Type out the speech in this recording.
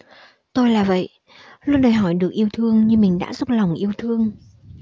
tôi là vậy luôn đòi hỏi được yêu thương như mình đã dốc lòng yêu thương